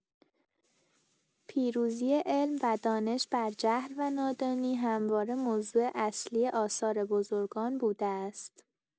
پیروزی علم و دانش بر جهل و نادانی همواره موضوع اصلی آثار بزرگان بوده است.